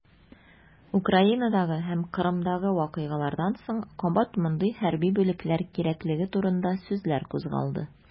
Украинадагы һәм Кырымдагы вакыйгалардан соң кабат мондый хәрби бүлекләр кирәклеге турында сүзләр кузгалды.